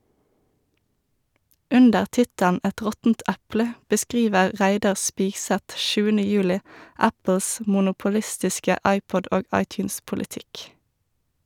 Under tittelen "Et råttent eple" beskriver Reidar Spigseth 7. juli Apples monopolistiske iPod- og iTunes-politikk.